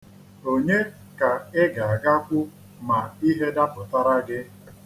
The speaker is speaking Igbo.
Onye ka ị ga-agakwu ma ihe dapụtara gị?